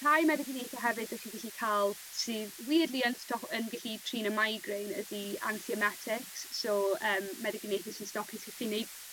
Rhai meddyginiaethe hefyd 'dych chi gyllu ca'l sydd wierdly yn stopo yn gellu trîn y migraine ydi anti ometics so yym meddyginiaethe sy'n stopio ti